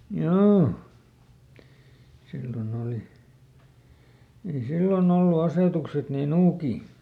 joo silloin oli ei silloin ollut asetukset niin nuukia